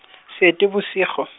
Seetebosigo.